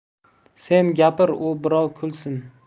sen gapir u birov kulsin